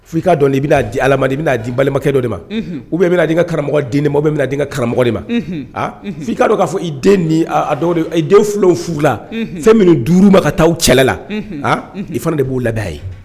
F i'a dɔn i bɛna' di alamaden i bɛna'a di balimakɛ dɔ de ma u bɛ bɛna di ka karamɔgɔden ne ma bɛ bɛna di n ka karamɔgɔ de ma f'' dɔn ka' fɔ i den ni den fiw fu la fɛn minnu duuru ma ka taa cɛla la aa i fana de b'o la ye